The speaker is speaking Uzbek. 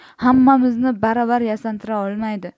hammamizni baravar yasantira olmaydi